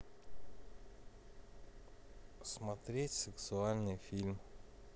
смотреть сексуальный фильм